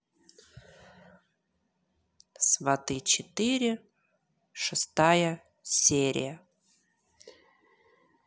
сваты четыре шестая серия